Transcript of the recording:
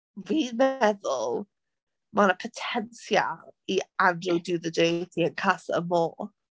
Fi'n meddwl mae 'na potensial i Andrew do the dirty in Casa Amor.